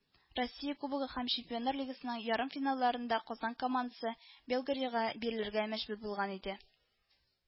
Россия Кубогы һәм Чемпионнар Лигасының ярымфиналларында Казан командасы Белогорьега бирелергә мәҗбүр булган иде